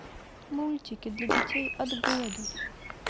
мультики для детей от года